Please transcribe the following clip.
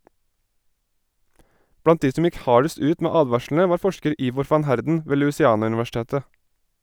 Blant de som gikk hardest ut med advarslene var forsker Ivor van Heerden ved Louisiana-universitetet.